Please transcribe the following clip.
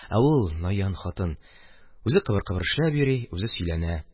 Ә ул – наян хатын – үзе кыбыр-кыбыр эшләп йөри, үзе сөйләнә: